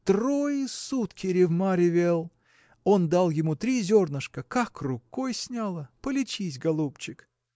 трои сутки ревмя ревел: он дал ему три зернышка, как рукой сняло! Полечись, голубчик!